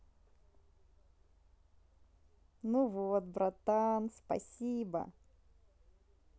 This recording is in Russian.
ну вот братан спасибо